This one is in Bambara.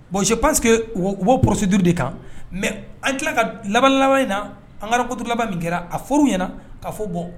Bon je pense que u b'o procédure de kan mais an tila ka laban laban in na an ka rencontre min kɛra a fɔr'u ɲɛna k'a fɔ bon